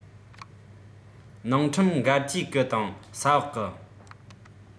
ནང ཁྲིམས འགལ གྱིས གི དང ས འོག གི